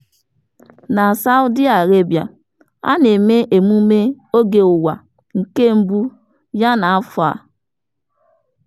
Na Saudi Arabia, a na-eme emume Earth Hour nke mbụ ya n'afọ a.